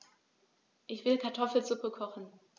Ich will Kartoffelsuppe kochen.